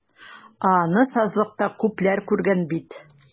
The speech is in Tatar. Ә аны сазлыкта күпләр күргән бит.